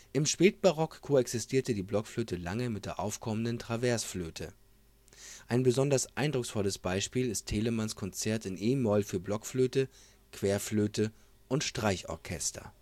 Im Spätbarock koexistierte die Blockflöte lange mit der aufkommenden Traversflöte. Ein besonders eindrucksvolles Beispiel ist Telemanns Konzert in e-Moll für Blockflöte, Querflöte und Streichorchester